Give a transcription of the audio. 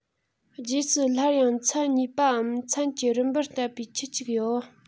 རྗེས སུ སླར ཡང ཚན གཉིས པའམ ཚན གྱི རིམ པར བསྟད པའི ཁྱུ གཅིག ཡོད